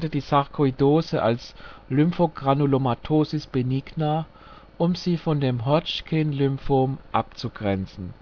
die Sarkoidose als Lymphranulomatosis benigna, um sie von dem Hodgkin-Lymphom abzugrenzen